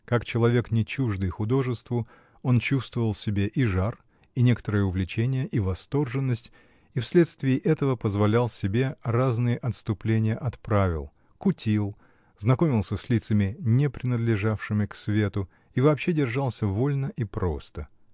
Как человек не чуждый художеству, он чувствовал в себе и жар, и некоторое увлечение, и восторженность, и вследствие этого позволял себе разные отступления от правил: кутил, знакомился с лицами, не принадлежавшими к свету, и вообще держался вольно и просто